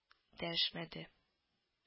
Дәшмәде